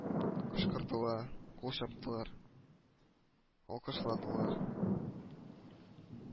Кычкырдылар, кул чаптылар, алкышладылар